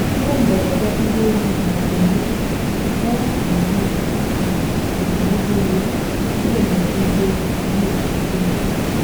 Ihe mberede ụgbọ elu Micronesia: Air Niugini kwụrụ otu nwoke na efu ka ihe mberede ụgbọ elu ọmi osimiri mechara